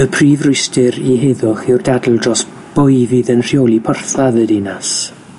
Y prif rwystyr i heddwch yw'r dadl dros bwy fydd yn rheoli porthladd y dinas.